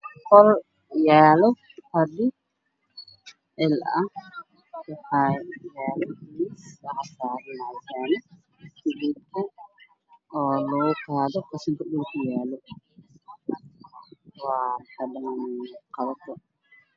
Qol yaalo fadhi fadhiga mideb kiisu waa buluug